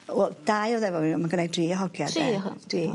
Wel dau o'dd efo fi on' ma' gynnai dri o hogia 'de. Tri o ho-... Dwi...